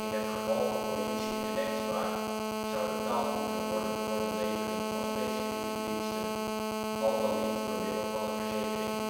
het geval van politie en rechtspraak zou betaald moeten worden voor de levering van specifieke diensten, al dan niet door middel van een verzekering